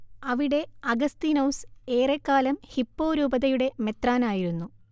അവിടെ അഗസ്തീനോസ് ഏറെക്കാലം ഹിപ്പോ രൂപതയുടെ മെത്രാനായിരിരുന്നു